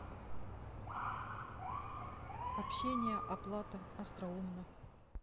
общение оплата остроумно